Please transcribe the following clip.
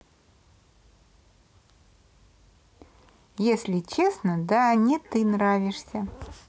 если честно да не ты нравишься